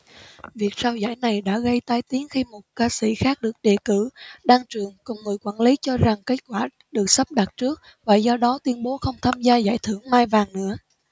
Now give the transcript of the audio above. việc trao giải này đã gây tai tiếng khi một ca sĩ khác được đề cử đan trường cùng người quản lý cho rằng kết quả được sắp đặt trước và do đó tuyên bố không tham gia giải thưởng mai vàng nữa